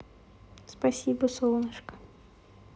спасибо солнышко